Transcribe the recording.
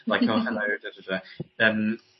like o hello dy dy dy. Yym.